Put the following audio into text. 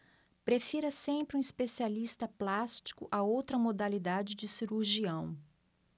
prefira sempre um especialista plástico a outra modalidade de cirurgião